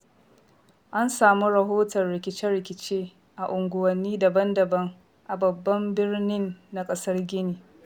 An samu rahotan rikice-rikice a unguwanni dabam-dabam a babban birnin na ƙasar Gini.